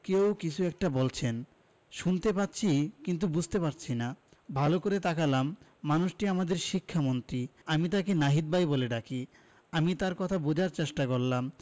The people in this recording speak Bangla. কেউ কিছু একটা বলছেন শুনতে পাচ্ছি কিন্তু বুঝতে পারছি না ভালো করে তাকালাম মানুষটি আমাদের শিক্ষামন্ত্রী আমি তাকে নাহিদ ভাই বলে ডাকি আমি তার কথা বোঝার চেষ্টা করলাম